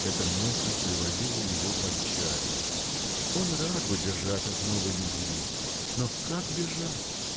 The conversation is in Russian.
Эта мысль приводила его в отчаяние. Он рад бы бежать от новой любви. Но как бежать?